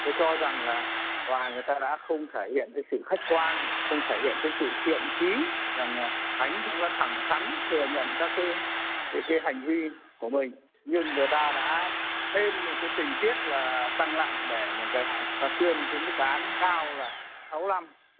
tôi cho rằng là tòa người ta đã không thể hiện cái sự khách quan không thể hiện cái sự thiện chí rằng khánh cũng đã thẳng thắn thừa nhận các cái cái cái hành vi của mình nhưng người ta đã thêm một cái tình tiết là tăng nặng để mà người ta tuyên cái mức án cao là sáu năm